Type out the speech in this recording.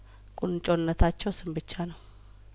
ቁንጮ ነታቸው ስም ብቻ ነው